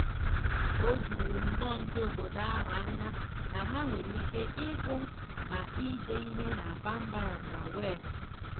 O juru nnọọ ndị obodo ahụ anya na ha nwere ike ịgụ ma ide ihe na Bambara na Weebụ!